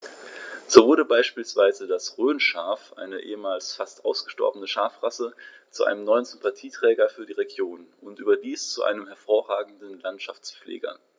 So wurde beispielsweise das Rhönschaf, eine ehemals fast ausgestorbene Schafrasse, zu einem neuen Sympathieträger für die Region – und überdies zu einem hervorragenden Landschaftspfleger.